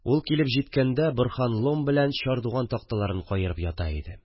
Ул килеп җиткәндә Борһан лом белән чардуган такталарын каерып ята иде